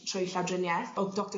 trwy llawdrinieth o'dd doctor...